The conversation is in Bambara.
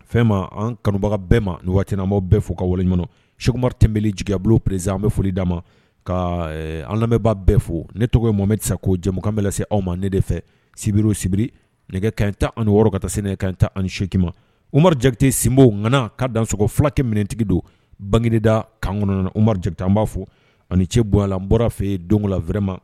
Fɛn ma an kanubaga bɛɛ ma nin waatina maaw bɛɛ fo ka wale ɲɔgɔn skumaru tebelejɛbu preesi an bɛ foli d' ma ka an lamɛnba bɛɛ fo ne tɔgɔ ye mome se ko jɛmukan bɛ lase aw ma ne de fɛ sibiri sibiri nɛgɛ ka tan ani wɔɔrɔ kata se nɛgɛ kan tan ani sokima uma jakitesinbowg ka dan sogoɔgɔ filakɛ minɛtigi don bangegda kan kɔnɔn uma jateki anba fo ani ce bɔ a la bɔra fɛ yen don la wɛrɛɛma